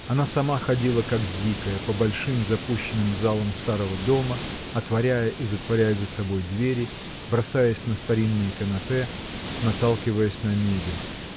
Она сама ходила как дикая по большим запущенным залам старого дома, отворяя и затворяя за собой двери, бросаясь на старинные канапе, наталкиваясь на мебель.